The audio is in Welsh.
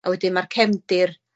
A wedyn ma'r cefndir